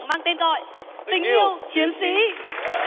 mang tên gọi tình yêu chiến sĩ